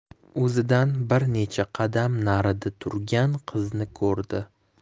o'zidan bir necha qadam narida turgan qizni ko'rdi